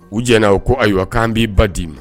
U jɛna o ko ayiwa k'an b'i ba d'i ma